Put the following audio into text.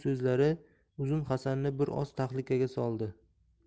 so'zlari uzun hasanni bir oz tahlikaga soldi